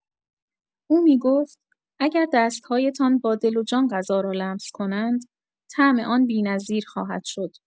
او می‌گفت: اگر دست‌هایتان با دل و جان غذا را لمس کنند، طعم آن بی‌نظیر خواهد شد.